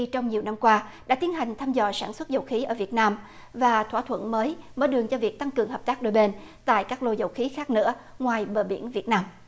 trong nhiều năm qua đã tiến hành thăm dò sản xuất dầu khí ở việt nam và thỏa thuận mới mở đường cho việc tăng cường hợp tác đôi bên tại các lô dầu khí khác nữa ngoài bờ biển việt nam